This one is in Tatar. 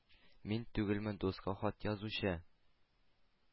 Мин түгелме дуска хат язучы,